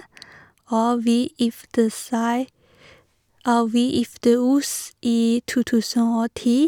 og vi gifte seg Og vi gifte oss i to tusen og ti.